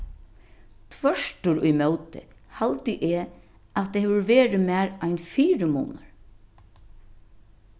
tvørturímóti haldi eg at tað hevur verið mær ein fyrimunur